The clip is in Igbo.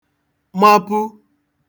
mapu